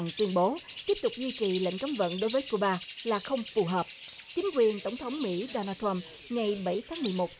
tuyên bố tiếp tục duy trì lệnh cấm vận đối với cu ba là không phù hợp chính quyền tổng thống mỹ đô na trăm ngày bảy tháng mười một